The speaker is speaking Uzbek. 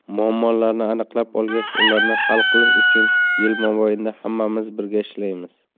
muammolarni aniqlab olgach ularni hal qilish uchun yil mobaynida hammamiz birga ishlaymiz